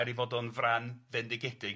er ei fod o'n frân fendigedig